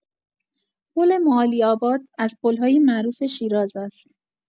پل معالی‌آباد از پل‌های معروف شیراز است.